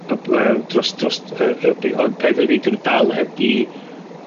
a by- ww yy dros drost yy yy bydd, ond peth ydi 'dwn nw dal heb 'di